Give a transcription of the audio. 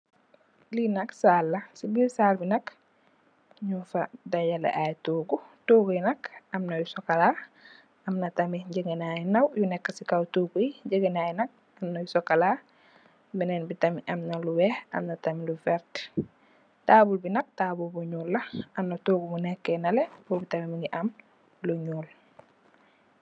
Li nak saal la, ci biir saal bi nak nung fa dajalè ay toogu. Toogu yi nak amna yu sokola, amna tamit ngegenaay yu ndaw yu nekka ci kaw toogu yi. Ngegenaay yi nak amna yu sokola, benen bi tamit amna lu weeh, Amna tamit lu vert. Taabul yi nak taabul bu ñuul la, amna toogu, toogu bu nekk nalè mungi am lu ñuul.